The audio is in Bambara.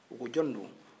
u ko jɔn don